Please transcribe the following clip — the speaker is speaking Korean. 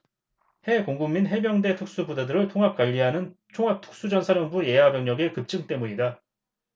해 공군및 해병대 특수부대들을 통합 관리하는 통합특수전사령부 예하 병력의 급증 때문이다